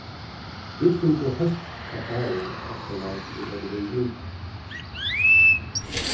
vit fingu heitt kakao aftan á vit høvdu verið úti